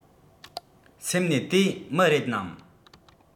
སེམས ནས དེ མི རེད ནམ